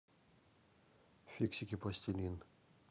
фиксики пластилин